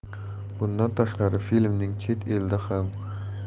bundan tashqari filmning chet elda